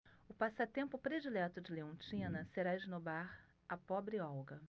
o passatempo predileto de leontina será esnobar a pobre olga